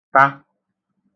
ta